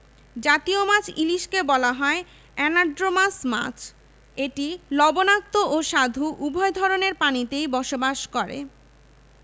জতীয় মাছ ইলিশকে বলা হয় অ্যানাড্রোমাস মাছ এটি লবণাক্ত ও স্বাদু উভয় ধরনের পানিতেই বসবাস করে